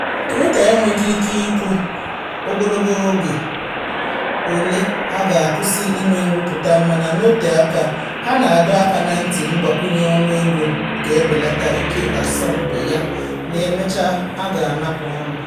Toyota enweghị ike ikwu ogologo oge ole a ga-akwụsị ime nrụpụta, mana n’ote aka, ha na-adọ aka na ntị mgbakwunye ọnụego ga-ebelata ike asompi ya na emechaa a ga-anapụ ọrụ.